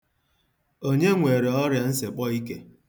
Onye nwere ọrịansekpọike?